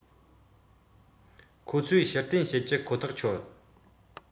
ཁོ ཚོས ཕྱིར འཐེན བྱེད ཀྱི ཁོ ཐག ཆོད